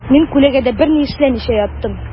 Мин күләгәдә берни эшләмичә яттым.